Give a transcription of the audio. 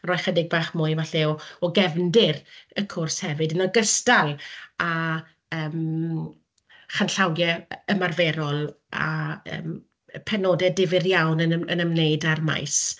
ro i ychydig bach mwy falle o gefndir y cwrs hefyd an ogystal â yym chanllawiau ymarferol a yym penodau difyr iawn yn ym- yn ymwneud â'r maes,